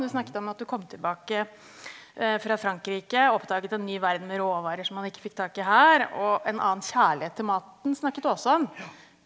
du snakket om at du kom tilbake fra Frankrike, oppdaget en ny verden med råvarer som man ikke fikk tak i her, og en annen kjærlighet til maten snakket du også om.